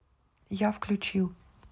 я включил